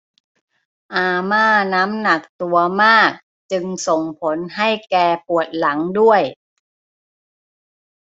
อาม่าน้ำหนักตัวมากจึงส่งผลให้แกปวดหลังด้วย